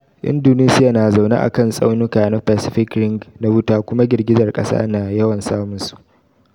Indonesia na zaune a kan tsaunuka na Pacific Ring na Wuta kuma girgizar kasa na yawan samunsu.